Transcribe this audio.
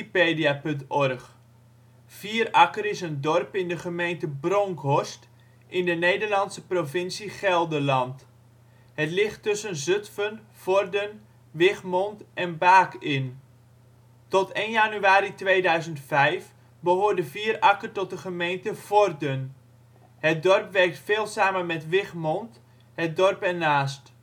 6 ' NB, 6 14 ' OL Vierakker Plaats in Nederland Situering Provincie Gelderland Gemeente Bronckhorst Coördinaten 52° 6′ NB, 6° 14′ OL Portaal Nederland Vierakker is een dorp in de gemeente Bronckhorst, in de Nederlandse provincie Gelderland Het ligt tussen Zutphen, Vorden, Wichmond en Baak in. Tot 1 januari 2005 behoorde Vierakker tot de gemeente Vorden. Het dorp werkt veel samen met Wichmond, het dorp ernaast